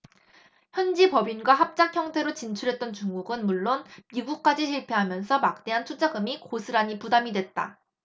현지법인과 합작형태로 진출했던 중국은 물론 미국까지 실패하면서 막대한 투자금이 고스란히 부담이 됐다